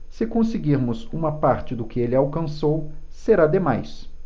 se conseguirmos uma parte do que ele alcançou será demais